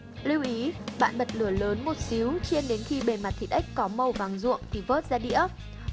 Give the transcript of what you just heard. lưu ý bạn bật lửa lớn một xíu chiên đến khi bề mặt thịt ếch có màu vàng ruộm thì vớt ra đĩa